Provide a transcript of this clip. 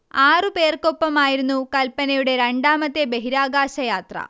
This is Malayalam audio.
ആറു പേർക്കൊപ്പമായിരുന്നു കൽപനയുടെ രണ്ടാമത്തെ ബഹിരാകാശ യാത്ര